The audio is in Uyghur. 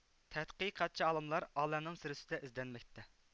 تەتقىقاتچى ئالىملار ئالەمنىڭ سىرى ئۈستىدە ئىزدەنمەكتە